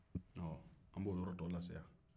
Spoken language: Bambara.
ɔ an b'o yɔrɔ tɔ lase